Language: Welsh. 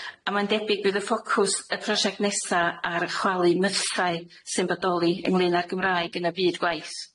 A mae'n debyg bydd y ffocws y prosiect nesa ar chwalu mythau sy'n bodoli ynglŷn â'r Gymraeg yn y byd gwaith.